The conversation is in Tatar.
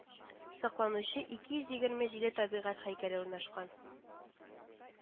Сакланучы ике йөз егерме җиде табигать һәйкәле урнашкан